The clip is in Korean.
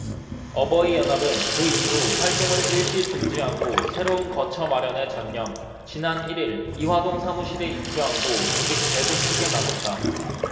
어버이연합은 그 이후 활동을 일시 중지하고 새로운 거처 마련에 전념 지난 일 일 이화동 사무실에 입주하고 조직 재구축에 나섰다